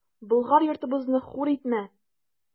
Болгар йортыбызны хур итмә!